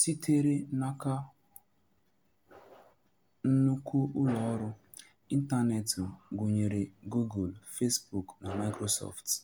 sitere n'aka nnukwu ụlọọrụ ịntaneetị gụnyere Google, Facebook na Microsoft.